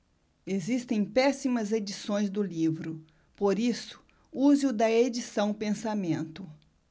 existem péssimas edições do livro por isso use o da edição pensamento